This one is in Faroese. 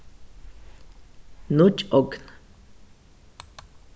nýggj ogn